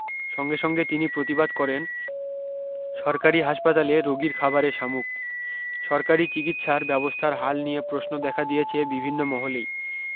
সঙ্গে সঙ্গে তিনি প্রতিবাদ করেন সরকারী হাসপাতালে রোগীর খাবারে শামুক সরকারী চিকিৎসা ব্যবস্থার হাল নিয়ে প্রশ্ন দেখা দিয়েছে বিভিন্ন মহলেই